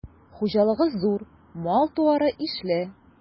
Хуҗалыгы зур, мал-туары ишле.